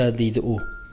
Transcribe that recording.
deydi u